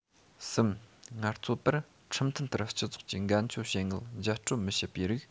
གསུམ ངལ རྩོལ པར ཁྲིམས མཐུན ལྟར སྤྱི ཚོགས ཀྱི འགན བཅོལ བྱེད དངུལ འཇལ སྤྲོད མི བྱེད པའི རིགས